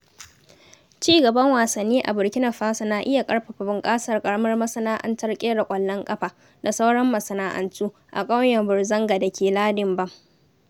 Ci gaban wasanni a Burkina Faso na iya ƙarfafa bunƙasar ƙaramar masana’antar ƙera ƙwallon kafa (da sauran masana'antu) a ƙauyen Bourzanga da ke lardin Bam.